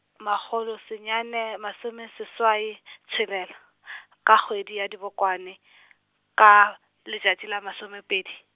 magolo senyane masome seswai tshelela , ka kgwedi ya Dibokwane , ka letšaši la masomepedi.